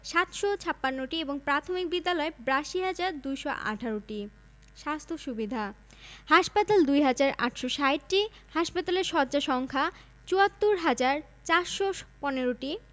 ইংরেজি দ্বিতীয় গুরুত্বপূর্ণ ভাষা সাক্ষরতাঃ ২০০১ সালের জরিপ অনুযায়ী সাত বৎসর ও তার বেশি বয়সের জনসংখ্যার ৬৫.৫ শতাংশ শিক্ষাপ্রতিষ্ঠানঃ